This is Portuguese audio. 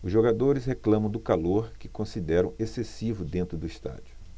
os jogadores reclamam do calor que consideram excessivo dentro do estádio